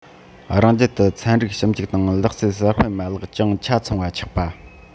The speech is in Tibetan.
རང རྒྱལ དུ ཚན རིག ཞིབ འཇུག དང ལག རྩལ གསར སྤེལ མ ལག ཅུང ཆ ཚང བ ཆགས པ